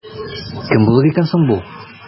Кем булыр икән соң бу?